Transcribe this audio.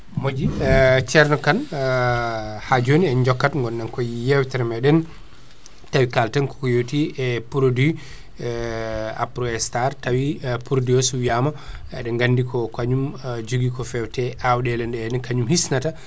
moƴƴi ceerno Kane ha joni en jokkat gonɗen koye yewtere meɗen tawi kalten ko yowiye e produit Aprostar tawi produit o sowiyama eɗen gandi ko kañum joogui ko fewte awɗele ɗe henna kañum hisnata